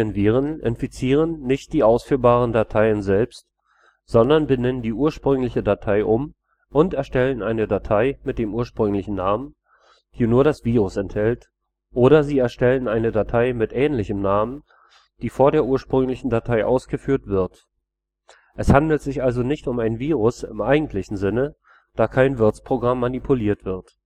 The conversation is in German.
Companion-Viren infizieren nicht die ausführbaren Dateien selbst, sondern benennen die ursprüngliche Datei um und erstellen eine Datei mit dem ursprünglichen Namen, die nur das Virus enthält, oder sie erstellen eine Datei mit ähnlichem Namen, die vor der ursprünglichen Datei ausgeführt wird. Es handelt sich also nicht um ein Virus im eigentlichen Sinne, da kein Wirtsprogramm manipuliert wird